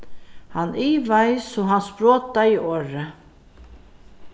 hann ivaðist so hann sprotaði orðið